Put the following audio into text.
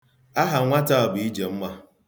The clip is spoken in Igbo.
Aha nwata a bụ Ijemma.